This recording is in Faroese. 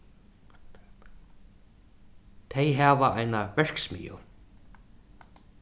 tey hava eina verksmiðju